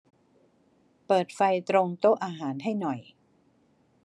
เปิดไฟตรงโต๊ะอาหารให้หน่อย